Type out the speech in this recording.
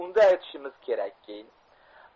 unda aytishimiz kerakki